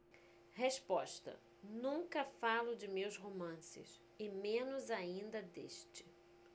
resposta nunca falo de meus romances e menos ainda deste